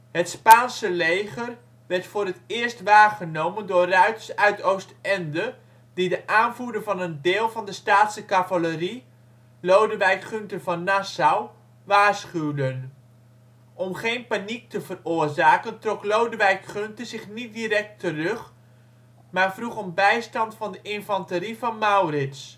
Het Spaanse leger werd voor het eerst waargenomen door ruiters uit Oostende die de aanvoerder van een deel van de Staatse cavalerie, Lodewijk Gunther van Nassau, waarschuwden. Om geen paniek te veroorzaken trok Lodewijk Gunther zich niet direct terug, maar vroeg om bijstand van de infanterie van Maurits. De Staatse